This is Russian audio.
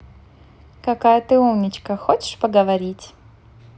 какая ты умничка хочешь поговорить